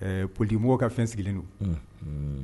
Ɛɛ poli mɔgɔw ka fɛn sigilen don